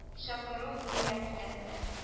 Чакыру ниятләнә